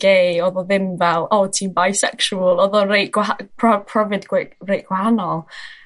gey odd o ddim fel o ti'n bisexual odd o reit gwaha- prof- profiad gwei- reit gwahanol.